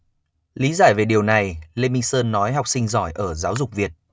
lý giải về điều này lê minh sơn nói học sinh giỏi ở giáo dục việt